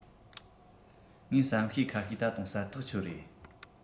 ངས བསམ ཤེས ཁ ཤས ད དུང གསལ ཐག ཆོད རེད